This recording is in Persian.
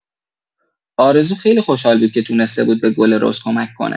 آرزو خیلی خوشحال بود که تونسته بود به گل رز کمک کنه.